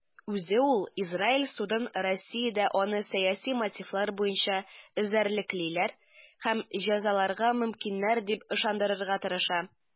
Үзе ул Израиль судын Россиядә аны сәяси мотивлар буенча эзәрлеклиләр һәм җәзаларга мөмкиннәр дип ышандырырга тырыша.